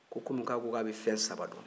ko komi ko a ko a bɛ fɛn saba dɔn